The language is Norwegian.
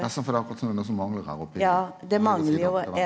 nesten for at det er akkurat som at det er noko som manglar her oppe i i høgre .